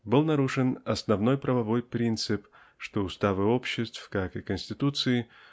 был нарушен основной правовой принцип что уставы обществ как и конституции